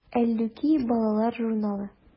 “әллүки” балалар журналы.